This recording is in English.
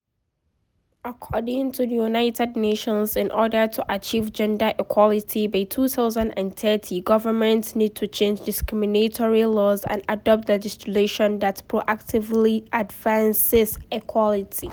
According to the United Nations, in order to achieve gender equality by 2030, governments need to change discriminatory laws and adopt legislation that proactively advances equality.